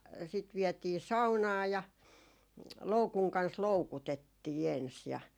sitten vietiin saunaan ja loukun kanssa loukutettiin ensin ja